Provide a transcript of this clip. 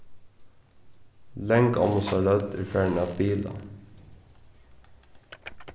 langommusa rødd er farin at bila